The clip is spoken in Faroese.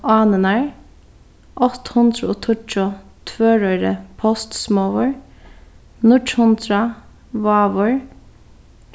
ánirnar átta hundrað og tíggju tvøroyri postsmogur níggju hundrað vágur